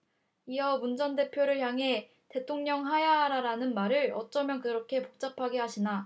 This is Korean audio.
이어 문 전 대표를 향해 대통령 하야하라는 말을 어쩌면 그렇게 복잡하게 하시나